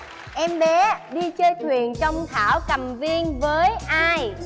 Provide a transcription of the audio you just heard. em bé đi chơi thuyền trong thảo cầm viên với ai